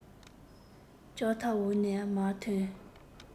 ལྕག ཐབས འོག ནས མར ཐོན